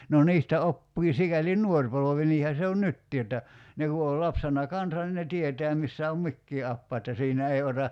no niistä oppii sikäli nuori polvi niinhän se on nytkin että ne kun oli lapsena kanssa niin ne tietää missä on mikin apaja että siinä ei ota